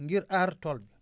ngir aar tool bi